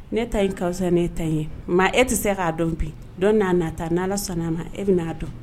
Ne ta ka fisa ni e ta in ye.bi nka e tɛ se k'a don bi, don n'a nata n allah snna i bɛna a don.